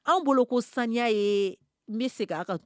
Anw bolo ko saniya yee n be sek'a kan